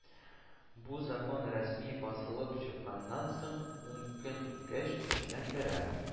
Бу Закон рәсми басылып чыкканнан соң ун көн үткәч көченә керә